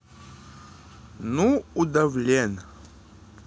ну удавлен